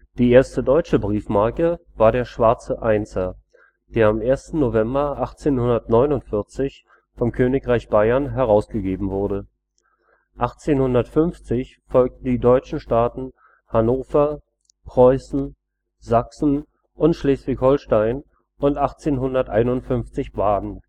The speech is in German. Die erste deutsche Briefmarke war der Schwarze Einser, der am 1. November 1849 vom Königreich Bayern herausgegeben wurde. 1850 folgten die deutschen Staaten Hannover, Preußen, Sachsen und Schleswig-Holstein und 1851 Baden